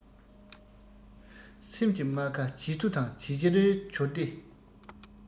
སེམས ཀྱི རྨ ཁ ཇེ ཐུ དང ཇེ ཆེར གྱུར ཏེ